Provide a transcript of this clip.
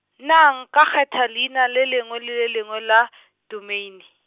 na nka kgetha leina le lengwe le le lengwe la , Domeine?